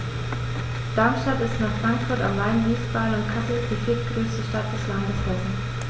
Darmstadt ist nach Frankfurt am Main, Wiesbaden und Kassel die viertgrößte Stadt des Landes Hessen